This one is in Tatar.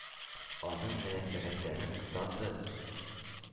Аның мәнфәгатьләрен кысасыз»,